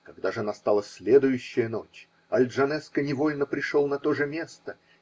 Когда же настала следующая ночь, Аль-Джанеско невольно пришел на то же место.